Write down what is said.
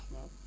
waaw